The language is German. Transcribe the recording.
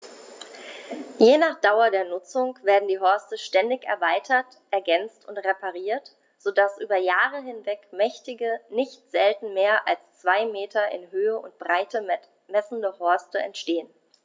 Je nach Dauer der Nutzung werden die Horste ständig erweitert, ergänzt und repariert, so dass über Jahre hinweg mächtige, nicht selten mehr als zwei Meter in Höhe und Breite messende Horste entstehen.